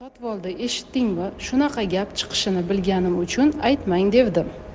sotvoldi eshitdingmi shunaqa gap chiqishini bilganim uchun aytmang devdim